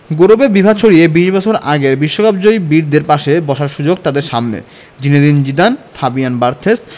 গৌরবের বিভা ছড়িয়ে ২০ বছর আগের বিশ্বকাপজয়ী বীরদের পাশে বসার সুযোগ তাদের সামনে জিনেদিন জিদান ফাবিয়ান বার্থেজ